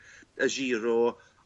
y Giro